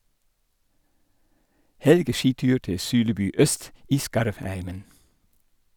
Helgeskitur til Sulebu øst i Skarvheimen.